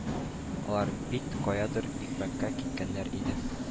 Алар бит каядыр икмәккә киткәннәр иде